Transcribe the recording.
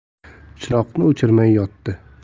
chiroqni o'chirmay yotdi